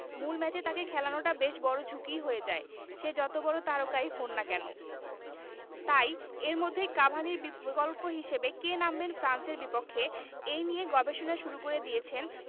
মূল ম্যাচে তাঁকে খেলানোটা বেশ বড় ঝুঁকিই হয়ে যায় সে যত বড় তারকাই হোন না কেন তাই এর মধ্যেই কাভানির বিকল্প হিসেবে কে নামবেন ফ্রান্সের বিপক্ষে এই নিয়ে গবেষণা শুরু করে দিয়েছেন